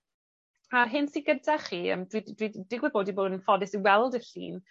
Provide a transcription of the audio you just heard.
A'r hyn sy gyda chi, yym dwi 'di dwi 'di digwydd bod 'di bod yn ffodus i weld y llun